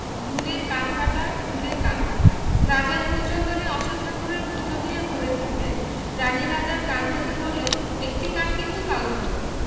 ঢুলির কান কাটা ঢুলির কান কাটা রাজা ফুল চন্দনে অশ্বত্থ ঠাকুরের পুজো দিয়ে ঘরে ফিরলেন রানী রাজার কান দেখে বললেন একটি কান কিন্তু কালো হল